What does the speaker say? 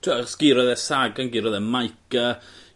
T'wo' s- gurodd e Sagan gurodd e Majka